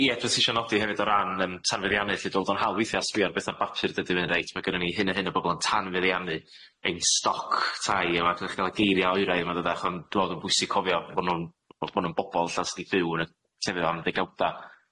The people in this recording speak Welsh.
Yy i- ie dwi isio nodi hefyd o ran yym tanfeddiannu lly dwi'n weld o'n hawdd weithia' sbio ar betha'r bapur dydi fe'n reit ma' gynnon ni hyn a hyn o bobol yn tanfeddiannu ein stoc tai yma dwi'n edrych ga'l y geiria' oeraidd ma'n ddeudach o'n dwi me'wl o'dd o'n pwysig cofio bo' nw'n bo' nw'n bobol allan sy'n fyw yn yy sefydlon yn y ddegawda